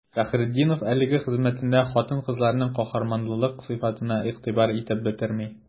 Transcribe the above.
Фәхретдинов әлеге хезмәтендә хатын-кызларның каһарманлылык сыйфатына игътибар итеп бетерми.